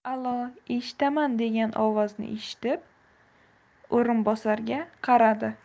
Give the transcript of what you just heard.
alo eshitaman degan ovozni eshitib o'rinbosarga qaradi